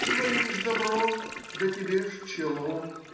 твоим же добром да тебе же челом.